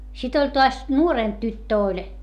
sitten oli taas nuorempi tyttö oli